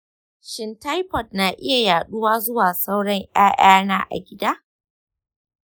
shin taifoid na iya yaduwa zuwa sauran ƴaƴana a gida?